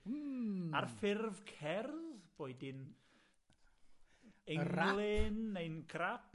Hmm. ...a'r ffurf cerdd, boed 'i'n englyn... Rap! ...neu'n crap.